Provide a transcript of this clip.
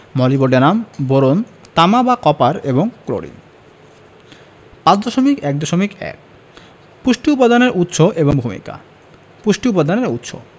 molybdenum boron তামা বা copper এবং ক্লোরিন 5.1.1 পুষ্টি উপাদানের উৎস এবং ভূমিকা পুষ্টি উপাদানের উৎস